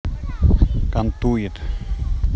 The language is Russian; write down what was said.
кантует